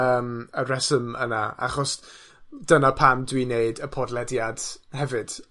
yym y reswm yna, achos, dyna pam dwi'n neud y podlediad hefyd.